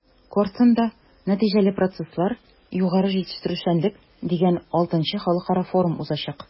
“корстон”да “нәтиҗәле процесслар-югары җитештерүчәнлек” дигән vι халыкара форум узачак.